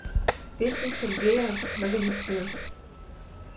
песни сергея наговицына